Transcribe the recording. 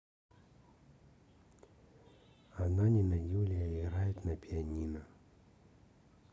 ананина юлия играет на пианино